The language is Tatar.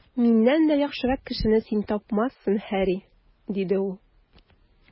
Миннән дә яхшырак кешене син тапмассың, Һарри, - диде ул.